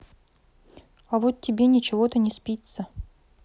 а вот тебе ничего то не спится